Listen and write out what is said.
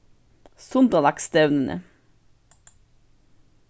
sundalagsstevnuni